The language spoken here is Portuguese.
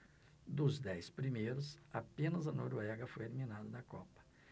dos dez primeiros apenas a noruega foi eliminada da copa